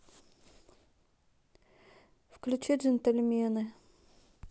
включи джентльмены